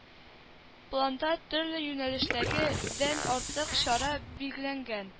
Планда төрле юнәлештәге дән артык чара билгеләнгән